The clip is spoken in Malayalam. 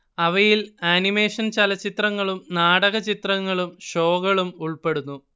അവയിൽ അനിമേഷൻ ചലച്ചിത്രങ്ങളും നാടകചിത്രങ്ങളും ഷോകളും ഉൽപ്പെടുന്നു